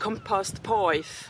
compost poeth